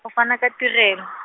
o fana ka ditirelo.